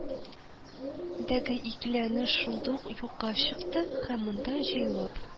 Дәге икеләнү шундук юкка чыкты, һәм монда җыелып